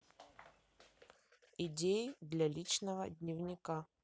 идеи для личного дневника